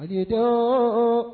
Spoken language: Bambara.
Jigi